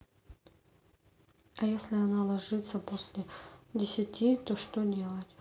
а если она ложится после десяти то что делать